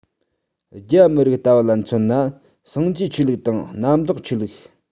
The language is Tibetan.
རྒྱ མི རིགས ལྟ བུ ལ མཚོན ན སངས རྒྱས ཆོས ལུགས དང གནམ བདག ཆོས ལུགས